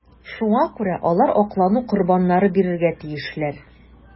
Шуңа күрә алар аклану корбаннары бирергә тиешләр.